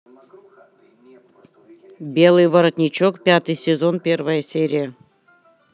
белый воротничок пятый сезон первая серия